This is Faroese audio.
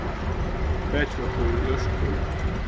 bakipappír í ørkum